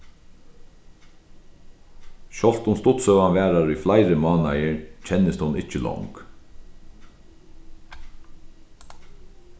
sjálvt um stuttsøgan varar í fleiri mánaðir kennist hon ikki long